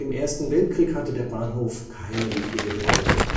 Ersten Weltkrieg hatte der Bahnhof keine wichtige Bedeutung